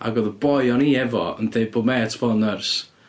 Ac oedd y boi o'n i efo yn deud bod mêt fo'n nyrs.